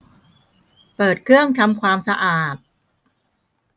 เปิดเครื่องทำความสะอาด